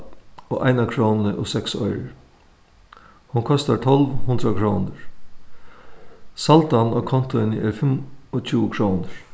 og eina krónu og seks oyrur hon kostar tólv hundrað krónur saldan á kontoini er fimmogtjúgu krónur